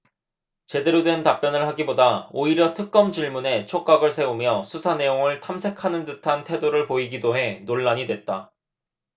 제대로 된 답변을 하기보다 오히려 특검 질문에 촉각을 세우며 수사 내용을 탐색하는 듯한 태도를 보이기도 해 논란이 됐다